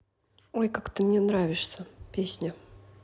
ой как ты мне нравишься песня